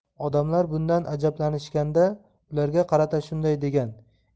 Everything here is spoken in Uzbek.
odamlar bundan ajablanishganda ularga qarata shunday